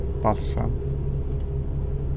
balsam